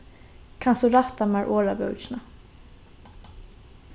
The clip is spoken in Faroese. kanst tú rætta mær orðabókina